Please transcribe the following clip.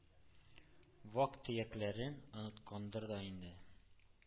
Вак-төякләрен оныткандыр да инде: